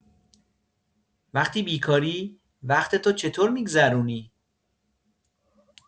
وقتی بیکاری، وقتتو چطور می‌گذرونی؟